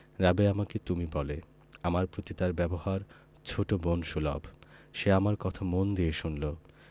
রাবেয়া আমাকে তুমি বলে আমার প্রতি তার ব্যবহার ছোট বোন সুলভ সে আমার কথা মন দিয়ে শুনলো